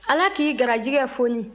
ala k'i garijɛgɛ foni